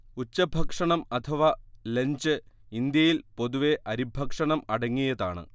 ഉച്ചഭക്ഷണം അഥവ ലഞ്ച് ഇന്ത്യയിൽ പൊതുവെ അരിഭക്ഷണം അടങ്ങിയതാണ്